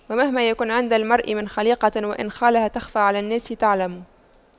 ومهما يكن عند امرئ من خَليقَةٍ وإن خالها تَخْفَى على الناس تُعْلَمِ